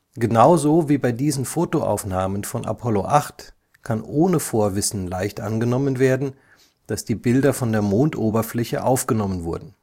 Genauso wie bei der hier vorgestellten Fotoaufnahme von Apollo 8 kann ohne Vorwissen leicht angenommen werden, dass diese Bilder von der Mondoberfläche aufgenommen wurden